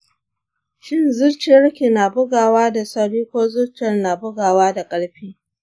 shin zuciyar ki na bugawa da sauri ko zuciyar na bugawa da karfi?